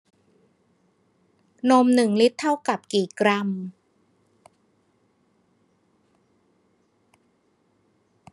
นมหนึ่งลิตรเท่ากับกี่กรัม